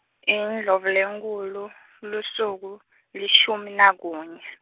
Indlovulenkhulu, lusuku, lishumi nakunye.